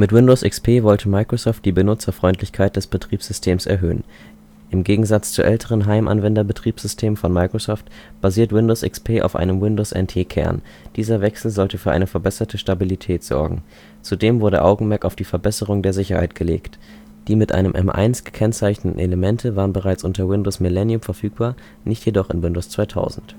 Windows XP wollte Microsoft die Benutzerfreundlichkeit des Betriebssystems erhöhen. Im Gegensatz zu älteren Heimanwender-Betriebssystemen von Microsoft basiert Windows XP auf einem Windows-NT-Kern. Dieser Wechsel sollte für eine verbesserte Stabilität sorgen. Zudem wurde Augenmerk auf die Verbesserung der Sicherheit gelegt. (Die mit einem [M 1] gekennzeichneten Elemente waren bereits unter Windows ME verfügbar, nicht jedoch unter Windows 2000